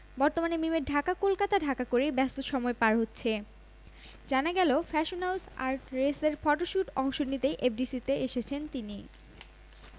মাছরাঙা টিভিতে প্রচার চলতি ধারাবাহিক নাটক ফুল এইচডি এটিতে বেশ আগ্রহ নিয়ে কাজ করছেন বলে জানিয়েছেন মোশাররফ করিম নাটকটি প্রসঙ্গে তিনি বলেন সাধারণত ধারাবাহিক নাটকে অভিনয় করা হয় না আমার